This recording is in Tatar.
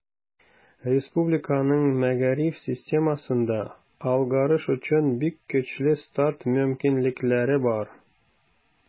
Республиканың мәгариф системасында алгарыш өчен бик көчле старт мөмкинлекләре бар.